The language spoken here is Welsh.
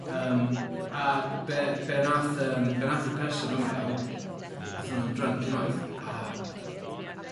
Yym a be' be' nath yym be' nath y person yma iawn... Iawn. ...athon nw'n drunk unwaith a